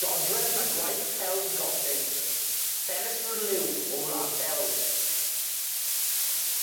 Dodrefn a gwaith celf gothig, ffenestr liw o wlad Belg.